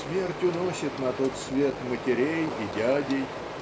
"Смерть уносит на тот свет матерей и дядей